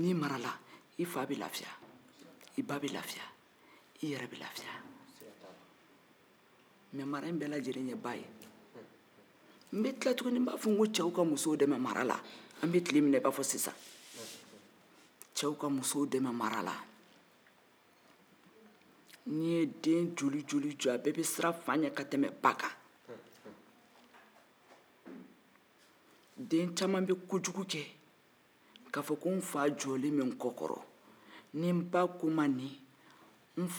cɛw ka musow dɛmɛ mara la an bɛ tile min n akomi sisan den tila bɛɛ bɛ siran fa ɲɛ ka tɛmɛ ba kan den caman bɛ kojugu kɛ k'a fɔ ko n fa jɔlen be n kɔ kɔrɔ ni n ba ko n ma nin n fa b'a fɔ k'a to yen